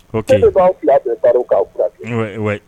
Kɛlen'aw fila taara k'aw fila